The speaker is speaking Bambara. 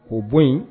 K'o bɔn yen